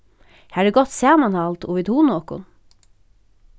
har er gott samanhald og vit hugna okkum